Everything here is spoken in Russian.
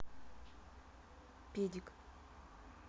педик